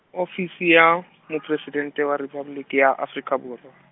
Ofisi ya, Mopresidente wa Rephaboliki ya Afrika Borwa.